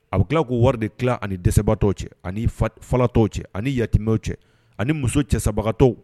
A bɛ tila ko wari de tila ani dɛsɛsɛba tɔw cɛ ani fa tɔw cɛ ani yatibaww cɛ ani muso cɛ sababaga tɔw